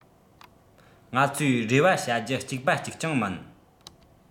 ང ཚོས རེ བ བྱ རྒྱུ གཅིག པ གཅིག རྐྱང མིན